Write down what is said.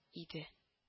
Иде